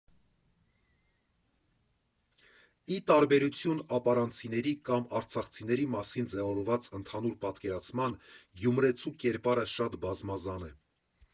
Ի տարբերություն ապարանցիների կամ արցախցիների մասին ձևավորված ընդհանուր պատկերացման՝ գյումրեցու կերպարը շատ բազմազան է.